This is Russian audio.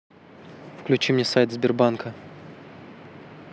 включи мне сайт сбербанка